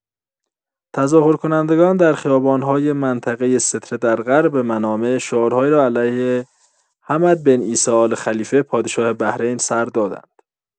تظاهرکنندگان در خیابان‌های منطقه ستره در غرب منامه شعارهایی را علیه حمد بن عیسی آل‌خلیفه پادشاه بحرین سر دادند.